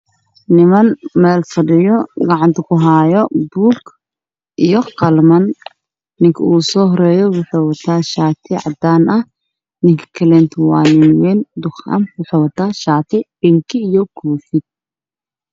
Waa hool waxaa ii muuqda laba nin nin oday ah iyo nin dhalinyaro ah oo miis fadhiyaan oo wax qorayaan